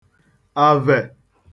àvè